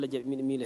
Mi ye